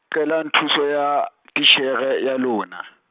qelang thuso ya, titjhere ya lona.